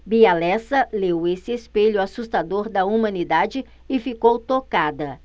bia lessa leu esse espelho assustador da humanidade e ficou tocada